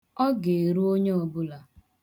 Ọ ga-eru onye ọbụla.